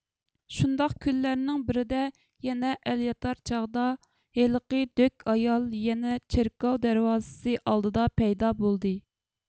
شۇنداق كۈنلەرنىڭ بىرىدە يەنە ئەل ياتار چاغدا ھېلىقى دۆك ئايال يەنە چېركاۋ دەرۋازىسى ئالدىدا پەيدا بولدى